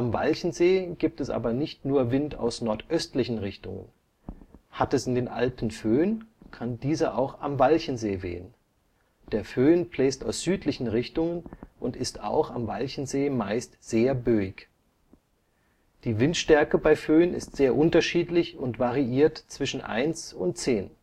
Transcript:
Walchensee gibt es aber nicht nur Wind aus nordöstlichen Richtungen. Hat es in den Alpen Föhn, kann dieser auch am Walchensee wehen. Der Föhn bläst aus südlichen Richtungen und ist auch am Walchensee meist sehr böig. Die Windstärke bei Föhn ist sehr unterschiedlich und variiert zwischen 1 und 10.